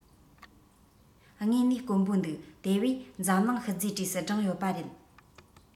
དངོས གནས དཀོན པོ འདུག དེ བས འཛམ གླིང ཤུལ རྫས གྲས སུ བསྒྲེངས ཡོད པ རེད